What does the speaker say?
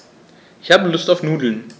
Ich habe Lust auf Nudeln.